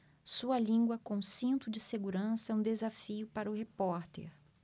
sua língua com cinto de segurança é um desafio para o repórter